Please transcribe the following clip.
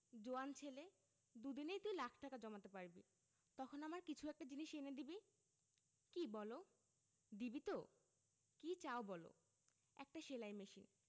জোয়ান ছেলে দুদিনেই তুই লাখ টাকা জমাতে পারবি তখন আমার কিছু একটা জিনিস এনে দিবি কি বলো দিবি তো কি চাও বলো একটা সেলাই মেশিন